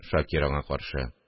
Шакир аңа каршы: